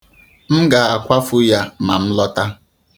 M ga-akwafu ya ma m lọta.